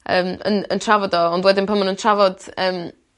Yym yn yn trafod o ond wedyn pan ma' nw'n trafod yym